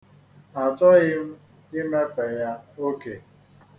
Achoghi m imefe ya oke.